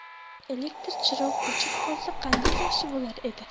elektr chiroq o'chib qolsa qanday yaxshi bo'lar edi